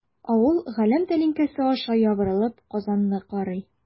Авыл галәм тәлинкәсе аша ябырылып Казанны карый.